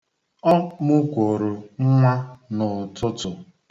Ọ mụkworo nnwa n'ụtụtụ.